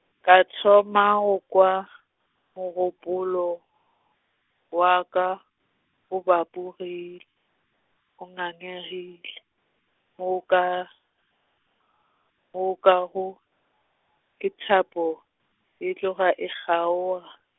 ka thoma go kwa, mogopolo, wa ka, o bapogile, o ngangegile, mo o ka, mo nkwago, ke thapo, e tloga e kgaoga.